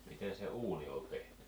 miten se uuni oli tehty